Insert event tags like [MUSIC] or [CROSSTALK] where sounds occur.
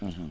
[HESITATION] [HESITATION]